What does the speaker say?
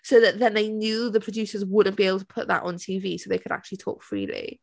so that then they knew the producers wouldn't be able to put that on TV so they could actually talk freely.